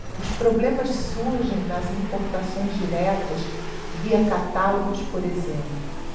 os problemas surgem nas importações diretas via catálogos por exemplo